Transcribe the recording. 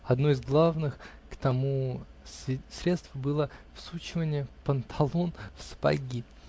Одно из главных к тому средств было всучивание панталон в сапоги.